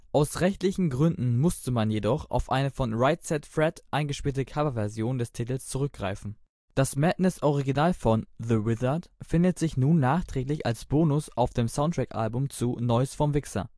Aus rechtlichen Gründen musste man jedoch auf eine von Right Said Fred eingespielte Coverversion des Titels zurückgreifen. Das Madness-Original von The Wizard findet sich nun nachträglich als Bonus auf dem Soundtrack-Album zu Neues vom Wixxer